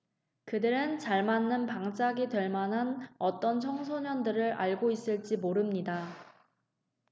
그들은 잘 맞는 방짝이 될 만한 어떤 청소년들을 알고 있을지 모릅니다